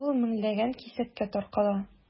Ул меңләгән кисәккә таркала.